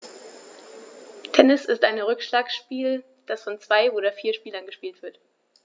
Tennis ist ein Rückschlagspiel, das von zwei oder vier Spielern gespielt wird.